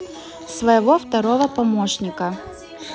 своего второго помощника